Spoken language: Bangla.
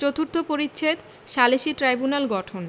চতুর্থ পরিচ্ছেদ সালিসী ট্রাইব্যুনাল গঠন